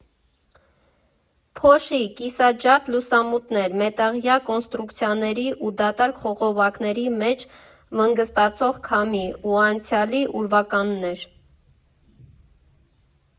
Փոշի, կիսաջարդ լուսամուտներ, մետաղյա կոնստրուկցիաների ու դատարկ խողովակների մեջ վնգստացող քամի ու անցյալի ուրվականներ.